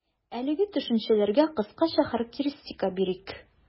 Әлеге төшенчәләргә кыскача характеристика бирик.